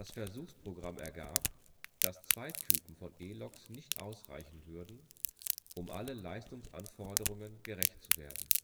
Versuchsprogramm ergab, dass zwei Typen von E-Loks nicht ausreichen würden, um allen Leistungsanforderungen gerecht zu werden